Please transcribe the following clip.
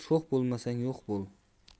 sho'x bo'lmasang yo'q bo'l